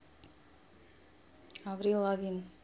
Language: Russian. avril lavigne